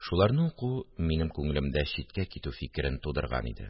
Шуларны уку минем күңелемдә читкә китү фикерен тудырган иде